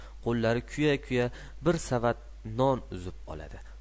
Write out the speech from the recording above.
qo'llari kuya kuya bir savat non uzib oladi